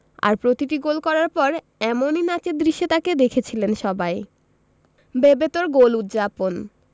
আর প্রতিটি গোল করার পর এমনই নাচের দৃশ্যে তাঁকে দেখেছিলেন সবাই বেবেতোর গোল উদ্ যাপন